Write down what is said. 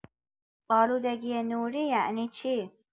آلودگی نوری یعنی چی؟